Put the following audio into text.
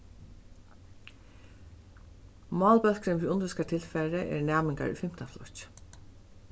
málbólkurin fyri undirvísingartilfarið eru næmingar í fimta flokki